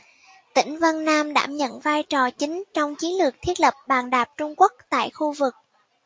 tỉnh vân nam đảm nhận vai trò chính trong chiến lược thiết lập bàn đạp trung quốc tại khu vực